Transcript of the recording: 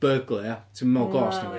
burgler ia, ti'm meddwl ghost nag wyt.